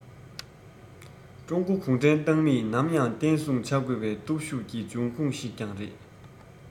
ཀྲུང གོའི གུང ཁྲན ཏང མིས ནམ ཡང བརྟན སྲུང བྱ དགོས པའི སྟོབས ཤུགས ཀྱི འབྱུང ཁུངས ཤིག ཀྱང རེད